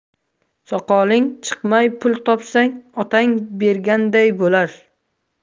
soqoling chiqmay pul topsang otang berganday bo'lar